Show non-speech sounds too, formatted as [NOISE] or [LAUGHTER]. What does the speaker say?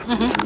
[HESITATION] [HESITATION] [NOISE]